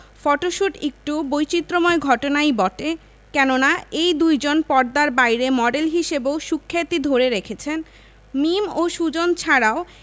photoshoot একটু বৈচিত্রময় ঘটনাই বটে কেননা এই দুইজন পর্দার বাইরে মডেল হিসেবেও সুখ্যাতি ধরে রেখেছেন মিম ও সুজন ছাড়াও